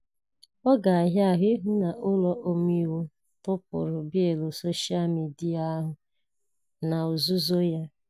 Ọ ga-ahịa ahụ ịhụ na Ụlọ Omeiwu tụpụrụ bịịlụ soshaa midịa ahụ n'ozuzu ya.